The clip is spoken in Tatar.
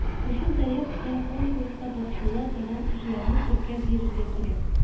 Шушы заявкага конкурска тапшырыла торган эшләрне теркәп бирергә кирәк.